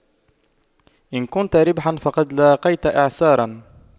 إن كنت ريحا فقد لاقيت إعصارا